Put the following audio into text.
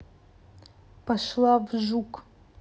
пошла в жук